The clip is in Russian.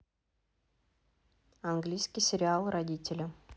английский сериал родители